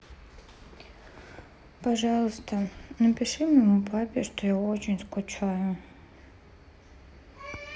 пожалуйста напиши моему папе что я очень скучаю